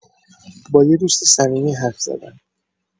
با یه دوست صمیمی حرف زدم.